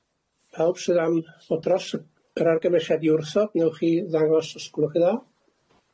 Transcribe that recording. Pawb sydd am fod dros yy yr argymelliad i wrthod, newch chi ddangos os gwelwch chi'n dda.